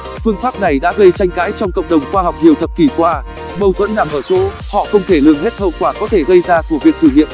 phương pháp này đã gây tranh cãi trong cộng đồng khoa học nhiều thập kỷ qua mâu thuẫn nằm ở chỗ họ không thể lường hết hậu quả có thể gây ra của việc thử nghiệm